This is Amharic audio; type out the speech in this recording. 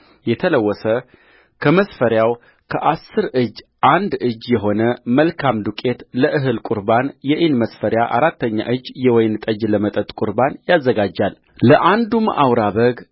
የተለወሰ ከመስፈሪያው ከአሥር እጅ አንድ እጅ የሆነ መልካም ዱቄት ለእህል ቍርባን የኢን መስፈሪያ አራተኛ እጅ የወይን ጠጅ ለመጠጥ ቍርባን ያዘጋጃልለአንዱም አውራ በግ